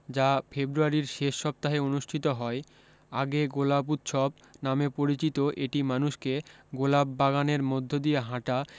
যা ফেব্রুয়ারীর শেষ সপ্তাহে অনুষ্ঠিত হয় আগে গোলাপ উৎসব নামে পরিচিত এটি মানুষকে গোলাপ বাগানের মধ্য দিয়ে হাঁটা